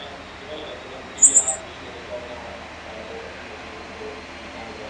Wel i fod yn onest dim ond fi a un unigolyn arall o ysgol fi nath ddod i Fangor